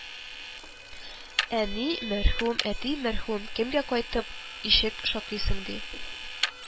Әни мәрхүм, әти мәрхүм, кемгә кайтып ишек шакыйсың ди